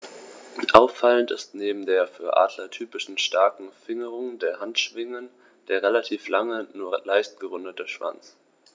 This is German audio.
Auffallend ist neben der für Adler typischen starken Fingerung der Handschwingen der relativ lange, nur leicht gerundete Schwanz.